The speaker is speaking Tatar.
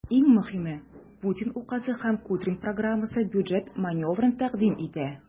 Иң мөһиме, Путин указы һәм Кудрин программасы бюджет маневрын тәкъдим итә.